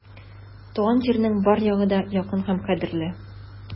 Туган җирнең бар ягы да якын һәм кадерле.